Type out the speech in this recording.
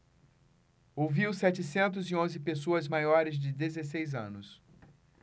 ouviu setecentos e onze pessoas maiores de dezesseis anos